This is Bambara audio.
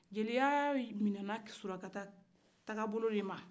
jeliya minɛna sulakata taa bolo de ma